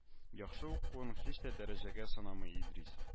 Яхшы укуын һич тә дәрәҗәгә санамый Идрис